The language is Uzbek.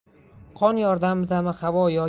qon yordamidami havo